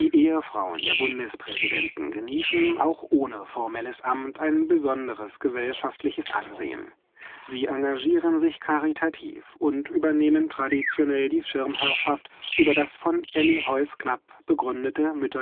Ehefrauen der Bundespräsidenten genießen auch ohne formelles Amt ein besonderes gesellschaftliches Ansehen. Sie engagieren sich karitativ und übernehmen traditionell die Schirmherrschaft über das von Elly Heuss-Knapp begründete Müttergenesungswerk